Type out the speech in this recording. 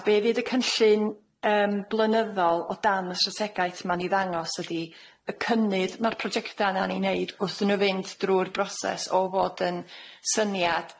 be' fydd y cynllun yym blynyddol o dan y Strategaeth yma'n i ddangos ydi y cynnydd ma'r projecta na'n i neud wrthyn n'w fynd drw'r broses o fod yn syniad